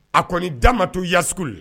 A kɔni da ma t'u yasuguli